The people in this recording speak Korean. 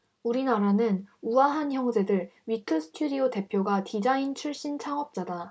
우리나라는 우아한형제들 위트 스튜디오 대표가 디자인 출신 창업자다